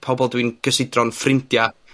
pobol dwi 'n cysidro'n ffrindia